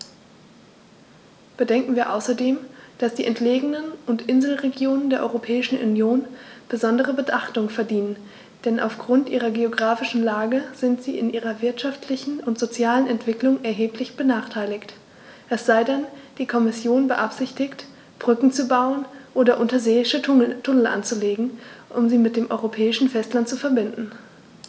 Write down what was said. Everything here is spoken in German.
Bedenken wir außerdem, dass die entlegenen und Inselregionen der Europäischen Union besondere Beachtung verdienen, denn auf Grund ihrer geographischen Lage sind sie in ihrer wirtschaftlichen und sozialen Entwicklung erheblich benachteiligt - es sei denn, die Kommission beabsichtigt, Brücken zu bauen oder unterseeische Tunnel anzulegen, um sie mit dem europäischen Festland zu verbinden.